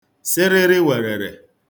sịrịrịwèrèrè